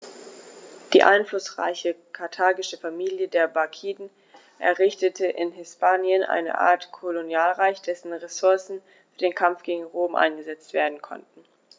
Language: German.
Die einflussreiche karthagische Familie der Barkiden errichtete in Hispanien eine Art Kolonialreich, dessen Ressourcen für den Kampf gegen Rom eingesetzt werden konnten.